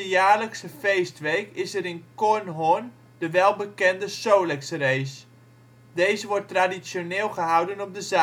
jaarlijkse feestweek is er in Kornhorn de welbekende Solexrace, deze wordt traditioneel gehouden op de zaterdag